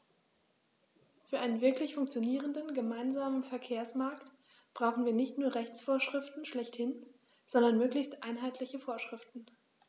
Für einen wirklich funktionierenden gemeinsamen Verkehrsmarkt brauchen wir nicht nur Rechtsvorschriften schlechthin, sondern möglichst einheitliche Vorschriften.